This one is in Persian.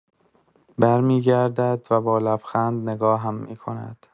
برمی‌گردد و با لبخند نگاهم می‌کند.